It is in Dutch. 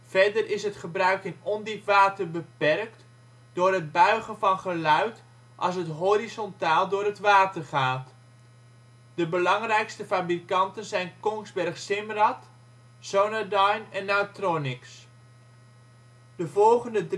Verder is het gebruik in ondiep water beperkt door het buigen van geluid als het horizontaal door het water gaat. De belangrijkste fabrikanten zijn Kongsberg Simrad, Sonardyne en Nautronix. De volgende drie